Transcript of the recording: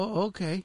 Oh ok.